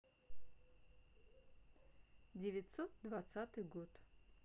девятьсот двадцатый год